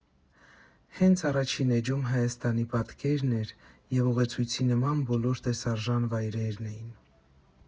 Հենց առաջին էջում Հայաստանի պատկերն էր և ուղեցույցի նման բոլոր տեսարժան վայրերն էին։